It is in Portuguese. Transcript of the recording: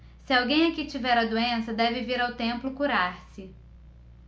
se alguém aqui tiver a doença deve vir ao templo curar-se